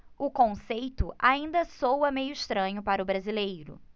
o conceito ainda soa meio estranho para o brasileiro